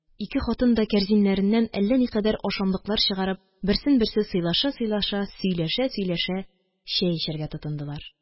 Ике хатын да, кәрзиннәреннән әллә никадәр ашамлыклар чыгарып, берсен берсе сыйлаша-сыйлаша, сөйләшә-сөйләшә чәй эчәргә тотындылар